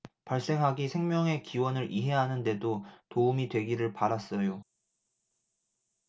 발생학이 생명의 기원을 이해하는 데도 도움이 되기를 바랐어요